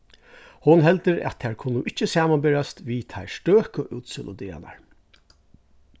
hon heldur at tær kunnu ikki samanberast við teir støku útsøludagarnar